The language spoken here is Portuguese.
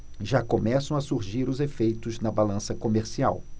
já começam a surgir os efeitos na balança comercial